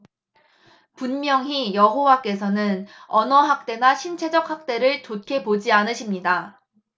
분명히 여호와께서는 언어 학대나 신체적 학대를 좋게 보지 않으십니다